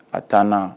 A 10 nan